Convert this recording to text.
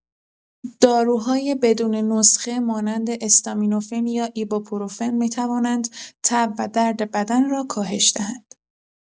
داروهای بدون نسخه مانند استامینوفن یا ایبوپروفن می‌توانند تب و درد بدن را کاهش دهند.